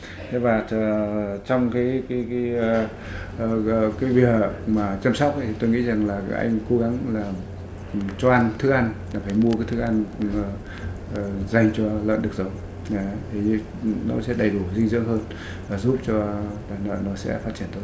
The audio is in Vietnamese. thế và trong cái cái cái việc mà chăm sóc ý tôi nghĩ rằng là anh cố gắng là cho ăn thức ăn là phải mua cái thức ăn dành cho lợn đực giống đấy thì nó sẽ đầy đủ dinh dưỡng hơn và giúp cho đàn lợn nó sẽ phát triển tốt